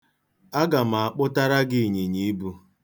Aga m akpụtara gị ịnyịnyiibu.